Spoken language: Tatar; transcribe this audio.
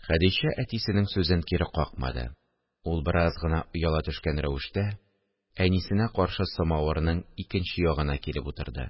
Хәдичә әтисенең сүзен кире какмады, ул, бераз гына ояла төшкән рәвештә, әнисенә каршы самавырның икенче ягына килеп утырды